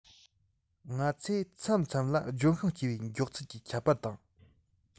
ང ཚོས མཚམས མཚམས ལ ལྗོན ཤིང སྐྱེ བའི མགྱོགས ཚད ཀྱི ཁྱད པར དང